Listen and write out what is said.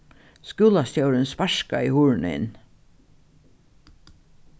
skúlastjórin sparkaði hurðina inn